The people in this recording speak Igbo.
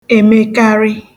èmekarị